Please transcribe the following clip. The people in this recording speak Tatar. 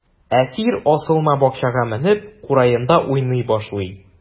Әсир асылма бакчага менеп, кураенда уйный башлый.